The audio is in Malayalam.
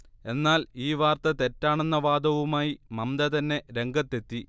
എന്നാൽ ഈ വാർത്ത തെറ്റാണെന്ന് വാദവുമായി മംമ്ത തന്നെ രംഗത്തെത്തി